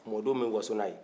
mɔdenw bɛ waso ni a ye